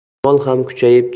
shamol ham kuchayib